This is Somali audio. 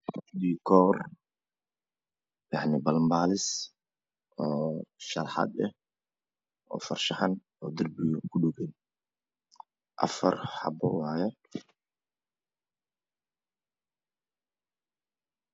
Balan balanbaalis oo sharaxad ah oo farshaxan afar xabo waye